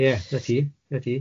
Ie 'na ti 'na ti.